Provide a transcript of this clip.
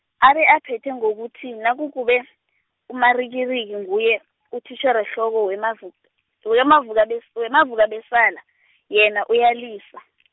abe aphethe ngokuthi nakukube, uMarikiriki nguye, utitjherehloko weMavuk- weMavukabes- weMavukabesala , yena uyalisa .